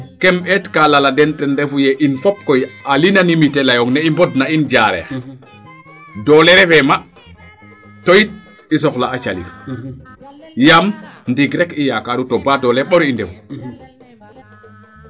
kem eet ka lala den te refuye in fop koy a leyong ne i mbond na in Diarekh doole refe ma to yit i soxla a calir yaam ndiing rek i yakaaru to badoole mbor i ndefu